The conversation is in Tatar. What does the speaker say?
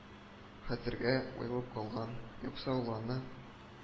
Хәтергә уелып калган, юкса, ул аны